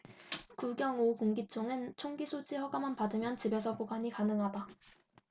구경 오 공기총은 총기소지 허가만 받으면 집에서 보관이 가능하다